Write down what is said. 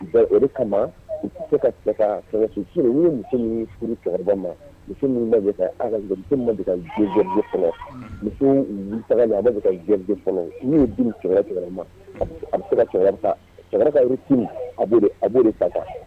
Olu kama se ka su ye muso min furu cɛkɔrɔba ma minnu a bɛri n ma a bɛ se a ta